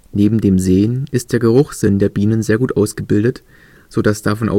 Neben dem Sehen ist der Geruchssinn der Bienen sehr gut ausgebildet, sodass davon